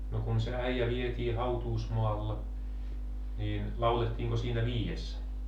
no kun se äijä vietiin hautuumaalle niin laulettiinko siinä viedessä